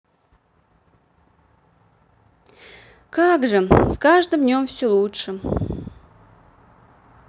как же с каждым днем все лучше